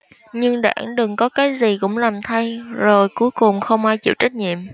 nhưng đảng đừng có cái gì cũng làm thay rồi cuối cùng không ai chịu trách nhiệm